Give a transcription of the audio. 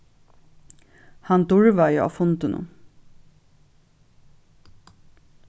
hann durvaði á fundinum